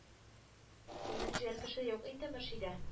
Безнең җыяр кеше юк инде, Мөршидә